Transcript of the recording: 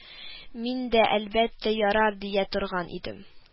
Миндә, әлбәттә, "ярар" дия торган идем